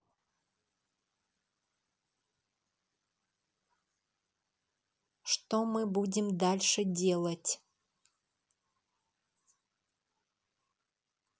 что мы будем дальше делать